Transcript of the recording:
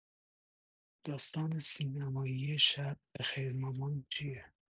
داستان سینمایی شب‌بخیر مامان چیه؟